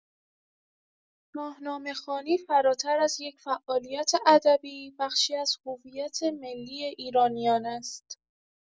شاهنامه‌خوانی فراتر از یک فعالیت ادبی، بخشی از هویت ملی ایرانیان است.